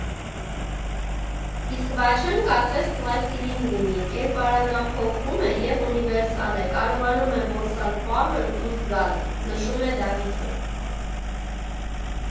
Իսկ Վաչեն կարծես պլաստիլին լինի՝ կերպարանափոխվում է և ունիվերսալ է, կարողանում է որսալ պահն ու զգալ», ֊ նշում է Դավիթը։